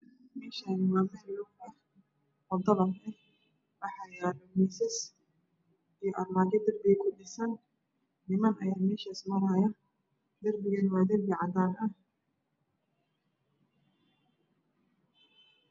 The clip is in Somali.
Meeshaan waa meel luuq ah oo daqab eh waxaa yaala miisas iyo armaajo darbiga ku dhisan niman ayaa meeshaas maraaya darbigana waa darbi cadaan ah.